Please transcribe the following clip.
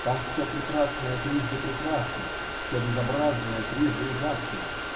там все прекрасное трижды прекрасно, все безобразное трижды ужасно